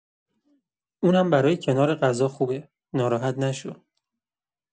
اونم برای کنار غذا خوبه، ناراحت نشو.